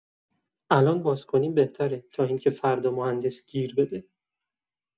الان باز کنیم بهتره تا اینکه فردا مهندس گیر بده.